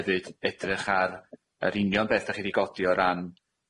hefyd edrych ar yr union beth dach chi 'di godi o ran